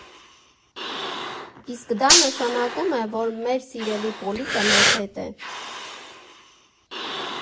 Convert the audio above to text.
Իսկ դա նշանակում է, որ մեր սիրելի Պոլիկը մեզ հետ է։